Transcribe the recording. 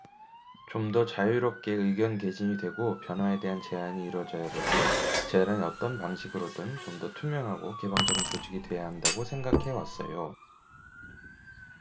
좀더 자유롭게 의견 개진이 되고 변화에 대한 제안이 이뤄져야 되고 재단이 어떤 방식으로든 좀 더 투명하고 개방적인 조직이 돼야 한다고 생각해 왔어요